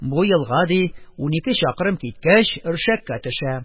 Бу елга, ди, унике чакрым киткәч, Өршәккә төшә,